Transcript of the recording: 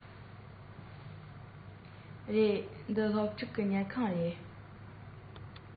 རེ སྒུག གི ངང དུ དཔྱིད རླུང སླེབས བྱུང དཔྱིད ཀྱི གོམ སྒྲ ཡང ཉེ རུ ཕྱིན